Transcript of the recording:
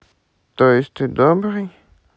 то есть ты добрый